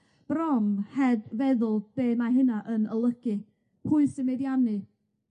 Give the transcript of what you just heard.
bron heb feddwl be' ma' hynna yn olygu, pwy sy'n meiddiannu,